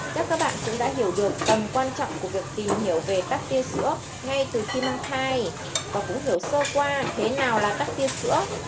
chắc các bạn cũng đã hiểu được tầm quan trọng của việc tìm hiểu về tắc tia sữa ngay từ khi mang thai và cũng hiểu sơ qua thế nào là tắc tia sữa